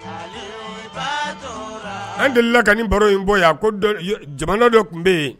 An delila ka ni baro in bɔ a ko jamana dɔ tun bɛ yen